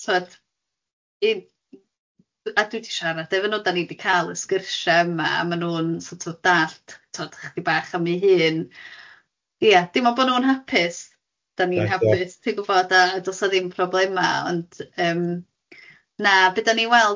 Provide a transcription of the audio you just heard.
...tibod i- a dwi di siarad efo nhw dan ni wedi cael y sgyrsiau yma a ma' nhw'n sort of dallt tibod chydig bach am ei hun, ia dim ond bod nhw'n hapus dan ni'n hapus ti'n gwybod a do's na ddim problema ond yym na be dan ni'n weld